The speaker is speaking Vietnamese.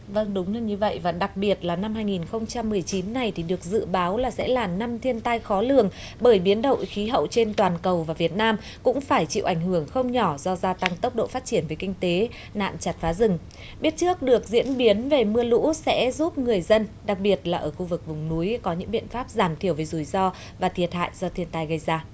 vâng đúng là như vậy và đặc biệt là năm hai nghìn không trăm mười chín này thì được dự báo là sẽ là năm thiên tai khó lường bởi biến đổi khí hậu trên toàn cầu và việt nam cũng phải chịu ảnh hưởng không nhỏ do gia tăng tốc độ phát triển về kinh tế nạn chặt phá rừng biết trước được diễn biến về mưa lũ sẽ giúp người dân đặc biệt là ở khu vực vùng núi có những biện pháp giảm thiểu rủi ro và thiệt hại do thiên tai gây ra